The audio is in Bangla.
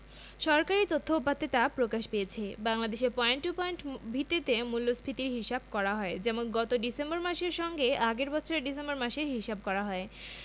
সরকারি তথ্য উপাত্তে তা প্রকাশ পেয়েছে বাংলাদেশে পয়েন্ট টু পয়েন্ট ভিত্তিতে মূল্যস্ফীতির হিসাব করা হয় যেমন গত ডিসেম্বর মাসের সঙ্গে আগের বছরের ডিসেম্বর মাসের হিসাব করা হয়